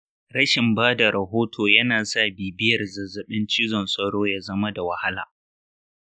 rashin bada rahoto yana sa bibiyar zazzaɓin cizon sauro ya zama da wahala.